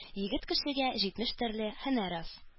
Егет кешегә җитмеш төрле һөнәр аз.